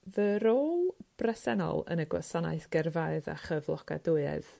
Fy rôl bresennol yn y gwasanaeth gyrfaoedd a chyflogadwyedd